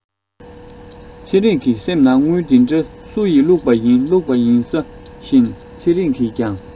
ཚེ རིང གི སེམས ནང དངུལ འདི འདྲ སུ ཡི བླུག པ ཡིན བླུག པ ཡིན ས བཞིན ཚེ རིང གིས ཀྱང